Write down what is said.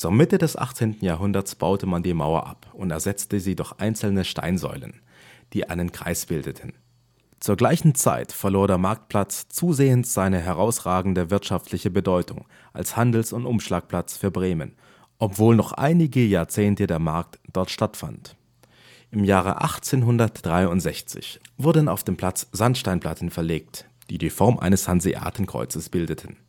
Mitte des 18. Jahrhunderts baute man die Mauer ab und ersetzte sie durch einzelne Steinsäulen, die einen Kreis bildeten. Zur gleichen Zeit verlor der Marktplatz zusehends seine herausragende wirtschaftliche Bedeutung als Handels - und Umschlagplatzplatz für Bremen, obwohl noch einige Jahrzehnte der Markt dort stattfand. Im Jahre 1863 wurden auf dem Platz Sandsteinplatten verlegt, die die Form eines Hanseatenkreuzes bildeten